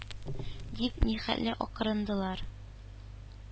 Дип нихәтле акырындылар.